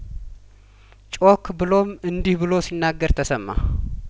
ጮክ ብሎም እንዲህ ብሎ ሲናገር ተሰማ